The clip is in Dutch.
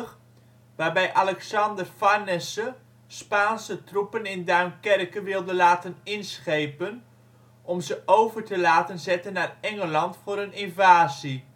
1588, waarbij Alexander Farnese Spaanse troepen in Duinkerke wilde laten inschepen om ze over te laten zetten naar Engeland voor een invasie